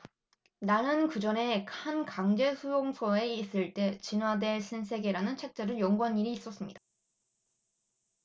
나는 그전에 한 강제 수용소에 있을 때 진화 대 신세계 라는 책자를 연구한 일이 있었습니다